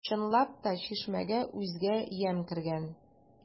Чынлап та, чишмәгә үзгә ямь кергән.